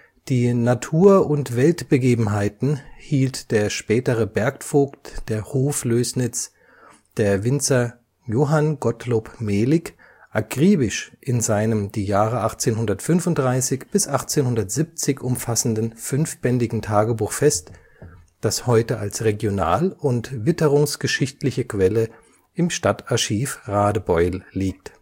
Die „ Natur - und Weltbegebenheiten “hielt der spätere Bergvoigt der Hoflößnitz, der Winzer Johann Gottlob Mehlig (1809 – 1870), akribisch in seinem die Jahre 1835 bis 1870 umfassenden fünfbändigen Tagebuch fest, das heute als regional - und witterungsgeschichtliche Quelle im Stadtarchiv Radebeul liegt